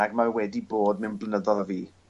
ag mae e wedi bod mewn blynyddodd a fu.